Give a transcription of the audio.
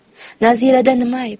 nazirada nima ayb